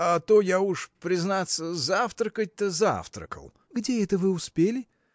А то я уж, признаться, завтракать-то завтракал. – Где это вы успели?